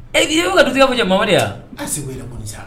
E' e ko ka dutigi ko cɛ mama yan a